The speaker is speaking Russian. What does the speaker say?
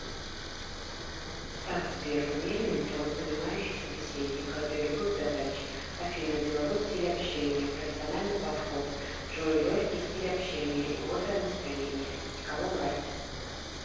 так сбер умеренный тон понимающий собеседника для любых задач афина деловой стиль общения профессиональный подход джой легкий стиль общения и бодрое настроение и кого брать